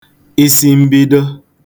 isi mbido